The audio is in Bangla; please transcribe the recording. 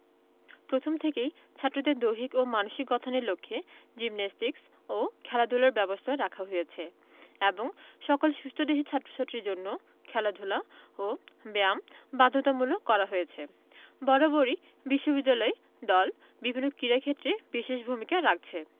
প্রথম থেকেই ছাত্রদের দৈহিক ও মানসিক গঠনের লক্ষ্যে জিমনাস্টিকস ও খেলাধুলার ব্যবস্থা রাখা হয়েছে এবং সকল সুস্থদেহী ছাত্র ছাত্রীর জন্য খেলাধুলা ও ব্যায়াম বাধ্যতামূলক করা হয়েছে বরাবরই বিশ্ববিদ্যালয় দল বিভিন্ন কীড়াক্ষেত্রে বিশেষ ভূমিকা রাখছে